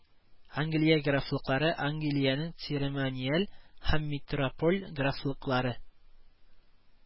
Англия графлыклары Англиянең церемониаль һәм метрополь графлыклары